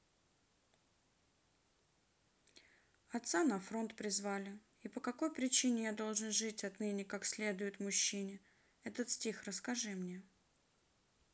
отца на фронт призвали и по какой причине я должен жить отныне как следует мужчине этот стих расскажи мне